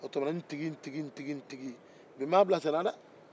o tuma ne tigi ne tigi ne tigi bi m'a bila senna dɛ